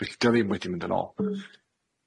Byll- 'di o ddim wedi mynd yn ôl.